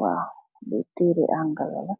waw be tereh angale la .